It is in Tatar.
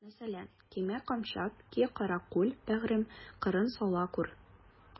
Мәсәлән: Кимә камчат, ки каракүл, бәгърем, кырын сала күр.